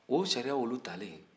o sariya olu talen